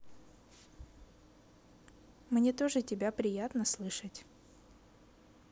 мне тоже тебя приятно слышать